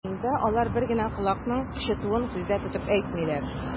Монда алар бер генә колакның кычытуын күздә тотып әйтмиләр.